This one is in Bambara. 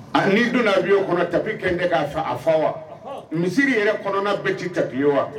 A n'i donna avion kɔnɔ tapis kɛn tɛ k'a fa a fa wa misiri yɛrɛ kɔnɔna bɛ ti tapis ye wa